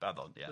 Baddon, ia.